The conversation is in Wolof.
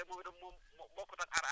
waaw waŋŋ i tam am na de